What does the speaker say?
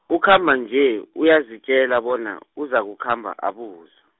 ukhamba nje, uyazitjela bona, uzakukhamba abuza.